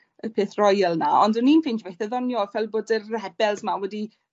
y peth royal 'na. Ond o'n i'n ffeidio fe itha doniol ffel bod y rebels 'ma wedi